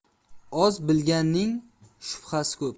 oz bilganning shubhasi ko'p